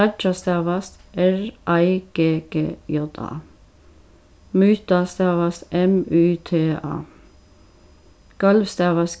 reiggja stavast r ei g g j a myta stavast m y t a gólv stavast